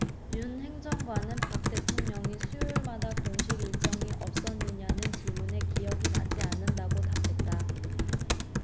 윤 행정관은 박 대통령이 수요일마다 공식일정이 없었느냐는 질문에 기억이 나지 않는다고 답했다